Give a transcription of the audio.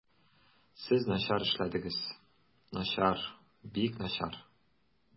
Сез начар эшләдегез, начар, бик начар.